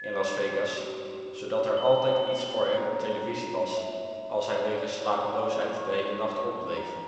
Las Vegas zodat er altijd iets voor hem op televisie was als hij wegens slapeloosheid de hele nacht op bleef